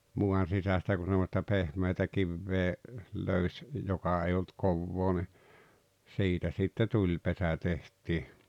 maan sisästä kun semmoista pehmeätä kiveä löysi joka ei ollut kovaa niin siitä sitten tulipesä tehtiin